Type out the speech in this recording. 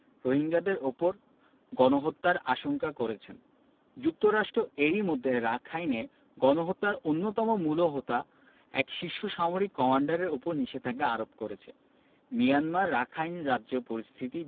Zeid Raad Al Hussein রোহিঙ্গাদের ওপর গণহত্যার আশঙ্কা করেছেন যুক্তরাষ্ট্র এরি মধ্যে রাখাইনে গণহত্যার অন্যতম মূল হোতা এক শীর্ষ সামরিক কমান্ডারের ওপর নিষেধাজ্ঞা আরোপ করেছে